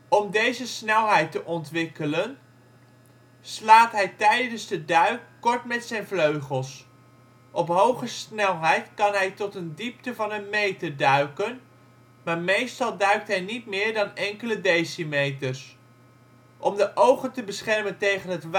Om deze snelheid te ontwikkelen slaat hij tijdens de duik kort met zijn vleugels. Op hoge snelheid kan hij tot een diepte van een meter duiken, maar meestal duikt hij niet meer dan enkele decimeters. Om de ogen te beschermen tegen